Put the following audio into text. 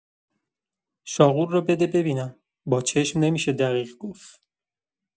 شاقول رو بده ببینم، با چشم نمی‌شه دقیق گفت.